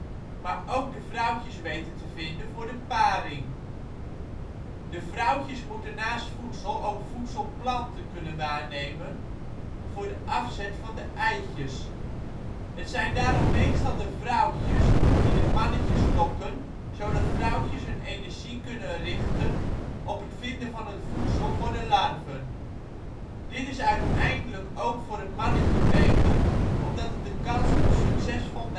maar ook de vrouwtjes weten te vinden voor de paring. De vrouwtjes moeten naast voedsel ook voedselplanten kunnen waarnemen voor de afzet van de eitjes. Het zijn daarom meestal de vrouwtjes die de mannetjes lokken zodat vrouwtjes hun energie zich kunnen richten op het vinden van het voedsel voor de larven. Dit is uiteindelijk ook voor het mannetje beter omdat het de kans op een succesvol nageslacht